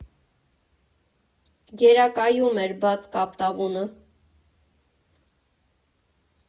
Գերակայում էր բաց կապտավունը։